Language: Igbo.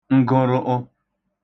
ngụrụtụ